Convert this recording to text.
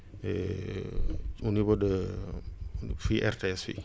au niveau de fii RTS fii